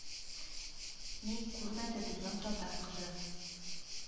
Ни күрмәде безнең татар кызы